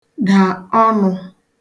dà ọnụ̄